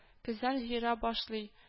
Көзән җыера башлый